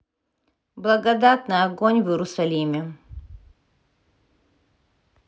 благодатный огонь в иерусалиме